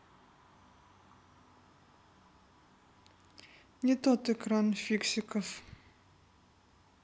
не тот экран фиксиков